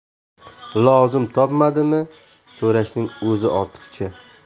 lozim topmadimi so'rashning o'zi ortiqcha